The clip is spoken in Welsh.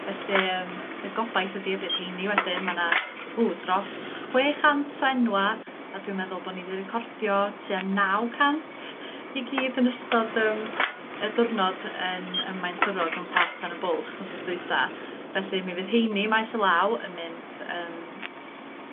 Felly yym y gobaith ydi y bydd 'heini wedyn, ma' 'na ww, dros chwe chant o enwa' a dwi'n meddwl bo' ni 'di recordio tua naw cant i gyd yn ystod yym y dirnod yn ym Maen Twrog yn Plas Tân y Bwlch wsos dwytha felly mi fydd 'heini maes o law yn mynd yym